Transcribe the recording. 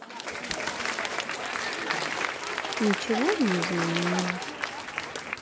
ничего не изменилось